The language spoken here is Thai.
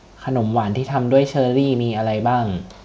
ขนมหวานที่ทำด้วยเชอร์รี่มีอะไรบ้าง